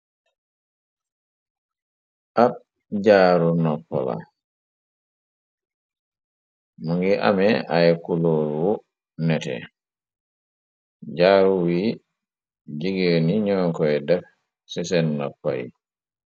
Ab jaaru noppa la, mungi ame ay kuluuru nete, jaaru wi jigéeni ñoo koy def ci seen noppa yi.